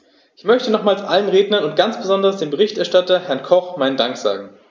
Ich möchte nochmals allen Rednern und ganz besonders dem Berichterstatter, Herrn Koch, meinen Dank sagen.